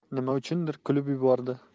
nima uchundir kulib yubordi